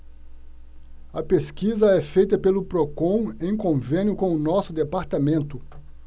a pesquisa é feita pelo procon em convênio com o diese